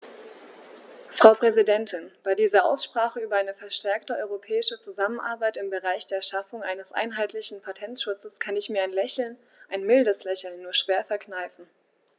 Frau Präsidentin, bei dieser Aussprache über eine verstärkte europäische Zusammenarbeit im Bereich der Schaffung eines einheitlichen Patentschutzes kann ich mir ein Lächeln - ein mildes Lächeln - nur schwer verkneifen.